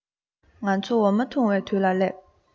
ང ཚོས འོ མ འཐུང བའི དུས ལ སླེབས